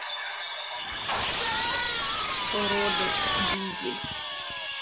порода бигль